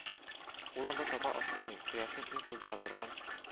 Ул анда таба ашыкмый, кояшның иң кыздыра торган